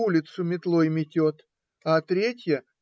улицу метлой метет, а третья